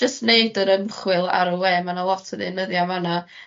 jyst neud yr ymchwil ar y we ma' 'na lot o ddeunyddia yn fan 'na.